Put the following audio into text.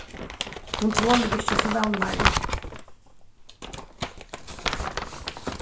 hon tolir ikki so væl larm